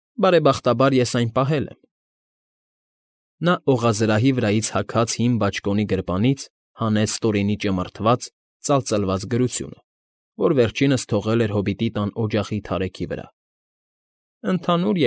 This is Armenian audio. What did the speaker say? Բարեբախտաբար ես այն պահել եմ։֊ Նա օղազրահի վրայից հագած հին բաճկոնի գրպանից հանեց Տորինի ճմրթված, ծալծլված գրությունը, որ վերջինս թողել էր հոբիտի տան օջախի թարեքի վրա։֊ Ընդհանուր։